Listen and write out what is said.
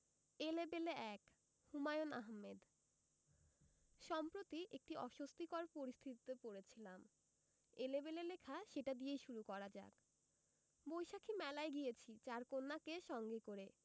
এলেবেলে ১ হুমায়ূন আহমেদ সম্প্রতি একটি অস্বস্তিকর পরিস্থিতিতে পড়েছিলাম এলেবেলে লেখা সেটা দিয়েই শুরু করা যাক বৈশাখী মেলায় গিয়েছি চার কন্যাকে সঙ্গে করে